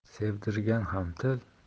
sevdirgan ham til